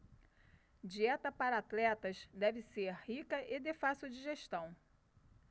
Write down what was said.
dieta para atletas deve ser rica e de fácil digestão